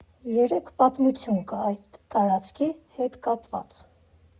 Երեք պատմություն կա այդ տարածքի հետ կաված։